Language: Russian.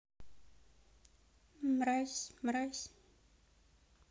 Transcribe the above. мразь мразь